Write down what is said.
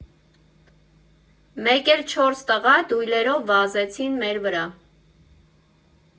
Մեկ էլ չորս տղա դույլերով վազեցին մեր վրա։